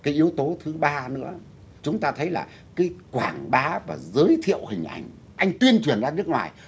cái yếu tố thứ ba nữa chúng ta thấy là cái quảng bá và giới thiệu hình ảnh anh tuyên truyền ra nước ngoài